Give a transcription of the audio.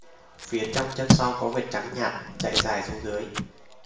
phía trong chân sau có vệt trắng nhạt chạy dài xuống dưới